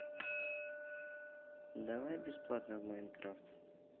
давай бесплатно в майнкрафт